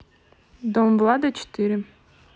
дом влада четыре